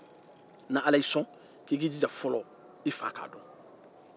ni ala y'i sɔn k'i k'i jija i fa k'a dɔn